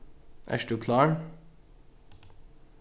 ert tú klár